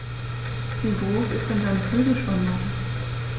Wie groß ist denn seine Flügelspannweite?